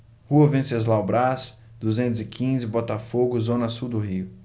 rua venceslau braz duzentos e quinze botafogo zona sul do rio